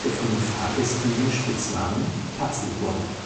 von den Fahrgästen den Spitznamen Tatzelwurm